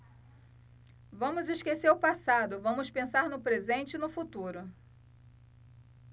vamos esquecer o passado vamos pensar no presente e no futuro